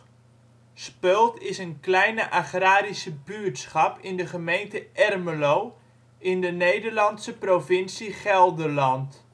Speuld is een kleine agrarische buurtschap in de gemeente Ermelo, in de Nederlandse provincie Gelderland